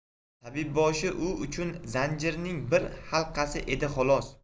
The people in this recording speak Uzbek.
tabibboshi u uchun zanjirning bir halqasi edi xolos